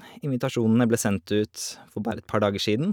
Invitasjonene ble sendt ut for bare et par dager siden.